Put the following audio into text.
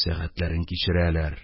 Сәгатьләрен кичерәләр,